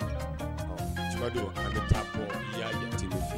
Bɛ